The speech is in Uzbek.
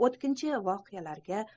o'tkinchi voqealarga